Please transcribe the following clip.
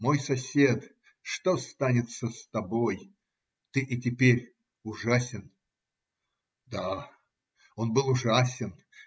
Мой сосед -что станется с тобой? Ты и теперь ужасен. Да, он был ужасен.